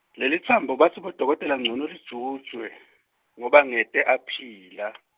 lelitsambo batsi bodokotela ncono lijutjwe, ngoba angeke aphile.